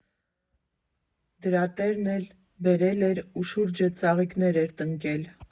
Դրա տերն էլ բերել էր ու շուրջը ծաղիկներ էր տնկել։